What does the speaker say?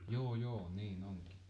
joo joo niin onkin